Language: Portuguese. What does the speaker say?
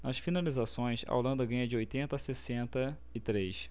nas finalizações a holanda ganha de oitenta a sessenta e três